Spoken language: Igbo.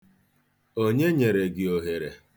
Onye nyere gị ohere?